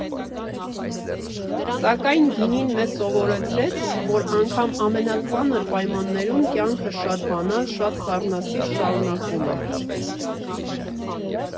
Սակայն գինին մեզ սովորեցրեց, որ անգամ ամենածանր պայմաններում կյանքը շատ բանալ, շատ սառնասիրտ շարունակվում է։